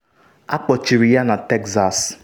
Akpọchiri ya na Texas.